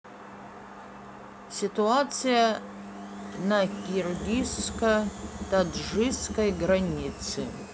ситуация на киргизско таджикской границы